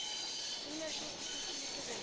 Көлмә шул тикле тиле кебек